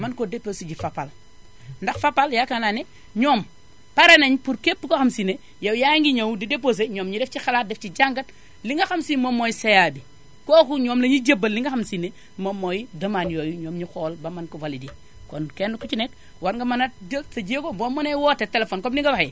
mën ko déposé ji Fapal ndax Fapal yaakaar naa ne ñoom pare nañu pour képp koo xam si ne yow yaa ngi ñëw di déposé ñoom ñu def si xalaat def ci jàngat li nga xam sii moom mooy CA bi kooku ñoom lañuy jébal li nga xam sii ne moom mooy demande yooyu ñu xool mën ko validé kon kenn ku ci nekk war nga mën a jël sa jéego boo mënee woote téléphone comme ni nga waxee